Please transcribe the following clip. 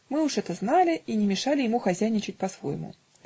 Мы уж это знали и не мешали ему хозяйничать по-своему